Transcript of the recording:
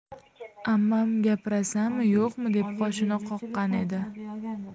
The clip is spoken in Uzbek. ammam gapirasanmi yo'qmi deb qoshini qoqqan edi